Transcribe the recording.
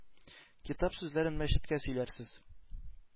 -китап сүзләрен мәчеттә сөйләрсез,